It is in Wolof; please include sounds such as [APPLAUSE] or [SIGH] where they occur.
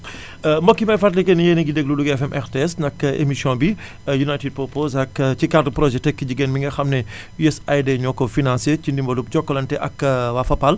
[INHALES] [HESITATION] mbokk yi may fàttali que ni yéen a ngi déglu Louga FM RTS nag [HESITATION] émission bi [INHALES] United Purpose ak [HESITATION] ci cadre projet tekki jigéen mi nga xam ne [INHALES] USAID ñoo ko financé ci dimbalu Jokalante ak [HESITATION] waa Fapal